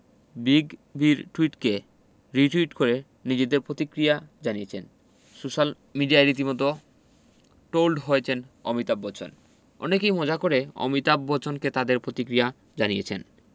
big বির টুইটকে retweet করে নিজেদের পতিক্রিয়া জানিয়েছেন সোশ্যাল মিডিয়ায় রীতিমতো টোলড হয়েছেন অমিতাভ বচ্চন অনেকেই মজা করে অমিতাভ বচ্চনকে তাদের পতিক্রিয়া জানিয়েছেন